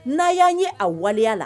N'a y'a ye a waleya la